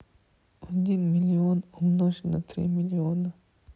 один миллион умножь на три миллиона